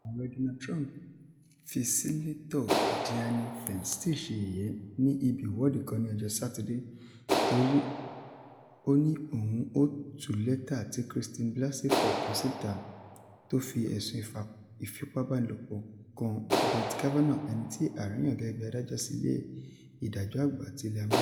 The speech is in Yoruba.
Ààrẹ Donald Trump fi Sínátọ̀ Dianne Feinste ṣe yẹ̀yẹ́ ní ibí ìwọ́de kan ní ọjọ́ Sátidé torí ó ní òun ọ́ tú lẹ́tà tí Christine Blasey Ford kọ síta, tó fi ẹ̀sùn ìfipábánilòpọ̀ kan Brett Kavanaugh, ẹni tí ààre yan gẹ́gẹ́ bí adájọ́ sí Ilé-ìdájọ́ Àgbà ti ilẹ̀ Amẹ́ríkà.